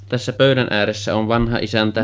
Tässä pöydän ääressä on vanhaisäntä